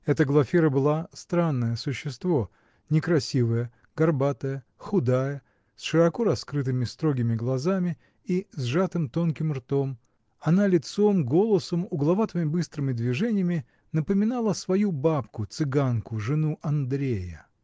Эта Глафира была странное существо: некрасивая, горбатая, худая, с широко раскрытыми строгими глазами и сжатым тонким ртом, она лицом, голосом, угловатыми быстрыми движениями напоминала свою бабку, цыганку, жену Андрея.